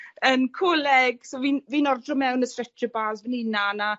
yn coleg so fi'n fi'n ordro mewn y stretcher bars fy'n 'unan a